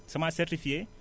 semence certifiée